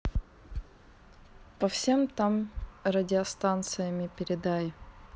по всем там радиостанциями передай